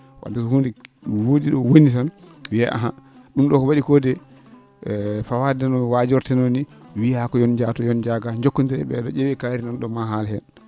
wadde so huunde woodi ?o woni tan wiyee ahan ?um ?o ko wa?i ko de e fawaade no waajortenoo nii wiyaa ko yo on njaah too yo on njaah gaa jokkonndiree e ?ee ?oo ?eewee kaari nan?o maa haal heen